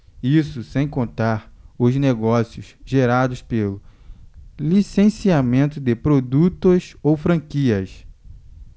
isso sem contar os negócios gerados pelo licenciamento de produtos ou franquias